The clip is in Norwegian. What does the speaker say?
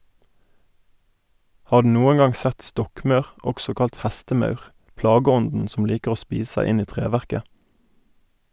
Har du noen gang sett stokkmaur, også kalt hestemaur, plageånden som liker å spise seg inn i treverket?